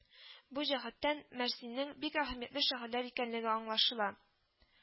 Бу җәһәттән, Мәрсиннең бик әһәмиятле шәһерләр икәнлеге аңлашыла